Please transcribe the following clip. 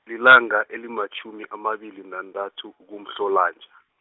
lilanga elimatjhumi amabili nathathu kuMhlolanja.